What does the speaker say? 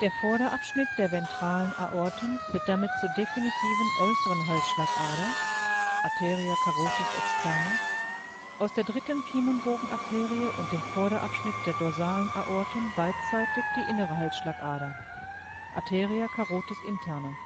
Vorderabschnitt der ventralen Aorten wird damit zur definitiven äußeren Halsschlagader (Arteria carotis externa), aus der dritten Kiemenbogenarterie und dem Vorderabschnitt der dorsalen Aorten beidseitig die innere Halsschlagader (Arteria carotis interna